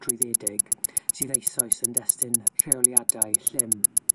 trwyddedig sydd eisoes yn destun rheoliadau llym.